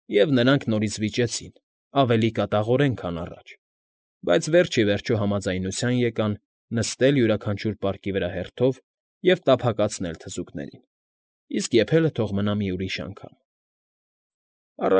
Եվ նրանք նորից վիճեցին, ավելի կատաղորեն, քան առաջ, բայց վերջ ի վերջո համաձայնության եկան՝ նստել յուրաքանչյուր պարկի վրա հերթով և տափակացնել թզուկներին, իսկ եփելը թող մնա մի ուրիշ անգամ։ ֊